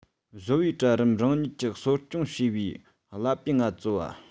བཟོ པའི གྲལ རིམ རང ཉིད ཀྱིས གསོ སྐྱོང བྱས པའི ཀླད པའི ངལ རྩོལ པ